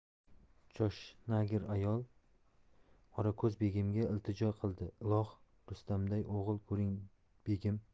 choshnagir ayol qorako'z begimga iltijo qildi iloho rustamday o'g'il ko'ring begim